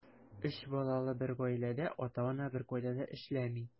Өч балалы бер гаиләдә ата-ана беркайда да эшләми.